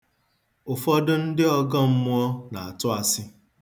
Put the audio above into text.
Ụfọdụ ndị ọgọmmụọ na-atụ asị.